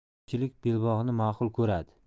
ko'pchilik belbog'ni ma'qul ko'radi